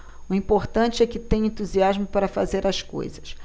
o importante é que tenho entusiasmo para fazer as coisas